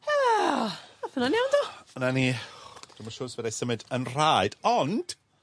Ath hwnna'n iawn do? Dyna ni. Dwi'm yn siŵr os fedrai symud 'yn nhraed, ond,